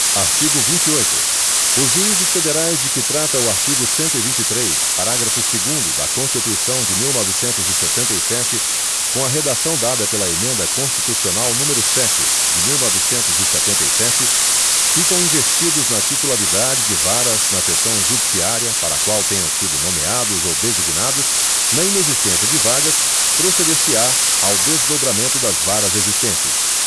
artigo vinte e oito os juízes federais de que trata o artigo cento e vinte e três parágrafo segundo da constituição de mil novecentos e sessenta e sete com a redação dada pela emenda constitucional número sete de mil novecentos e setenta e sete ficam investidos na titularidade de varas na seção judiciária para a qual tenham sido nomeados ou designados na inexistência de vagas proceder se á ao desdobramento das varas existentes